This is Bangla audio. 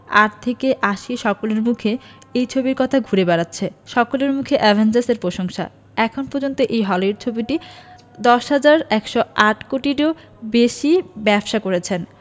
আট থেকে আশি সকলের মুখেই এই ছবির কথা ঘুরে বেড়াচ্ছে সকলের মুখে অ্যাভেঞ্জার্স এর প্রশংসা এখনও পর্যন্ত এই হলিউড ছবিটি ১০১০৮ কোটিরও বেশি ব্যবসা করেছে